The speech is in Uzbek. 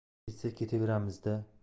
ketsak ketaveramizda